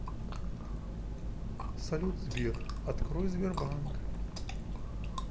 салют сбер открой сбербанк